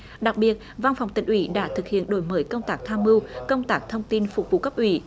đặc biệt văn phòng tỉnh ủy đã thực hiện đổi mới công tác tham mưu công tác thông tin phục vụ cấp ủy